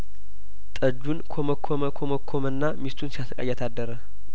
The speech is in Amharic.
ጠጁን ኰመኰመ ኰመኰመና ሚስቱን ሲያሰቃያት አደረ